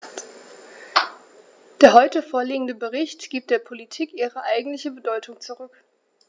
Der heute vorliegende Bericht gibt der Politik ihre eigentliche Bedeutung zurück.